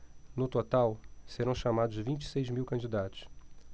no total serão chamados vinte e seis mil candidatos